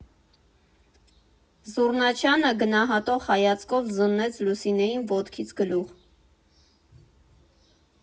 Զուռնաչյանը գնահատող հայացքով զննեց Լուսինեին ոտքից գլուխ։